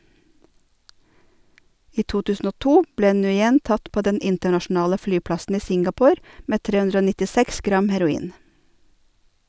I 2002 ble Nguyen tatt på den internasjonale flyplassen i Singapore med 396 gram heroin.